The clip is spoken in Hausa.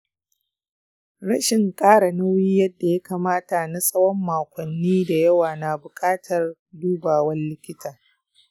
rashin ƙara nauyi yadda ya kamata na tsawon makonni da yawa na buƙatar dubawan likita.